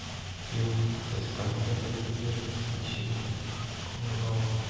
Юк, сез конкрет әйтеп бирегез, ничек итеп каныга ул?